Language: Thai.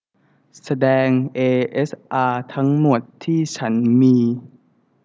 แสดงเอเอสอาทั้งหมดที่ฉันมี